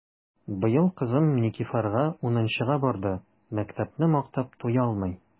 Быел кызым Никифарга унынчыга барды— мәктәпне мактап туялмый!